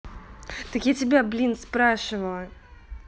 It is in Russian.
так я тебя блин спрашивала